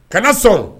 Kana sɔn